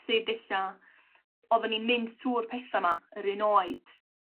sud ella oddan ni'n mynd trw'r petha' 'ma yr un oed?